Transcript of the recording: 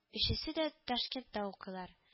Өчесе дә ташкентта укыйлар